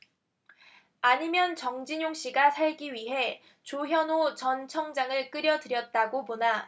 아니면 정진용씨가 살기 위해 조현오 전 청장을 끌여들였다고 보나